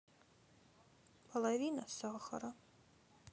половина сахара